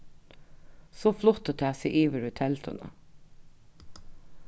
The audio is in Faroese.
so flutti tað seg yvir í telduna